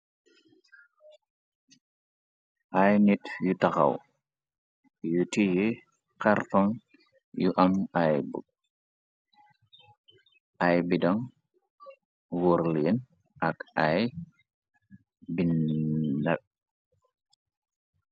Ay nit yu taxaw yu tiyi kartoŋ yu am ay book ay bidaŋ woor leen ak ay binda.